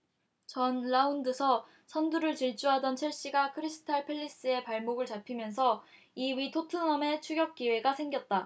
전 라운드서 선두를 질주하던 첼시가 크리스탈 팰리스에 발목을 잡히면서 이 위 토트넘에 추격 기회가 생겼다